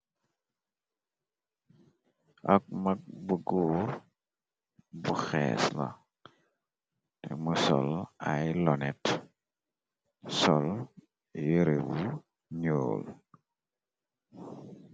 Ab mag bu guor bu xees na. Te mu sol ay lonet sol yu rebu nuul#.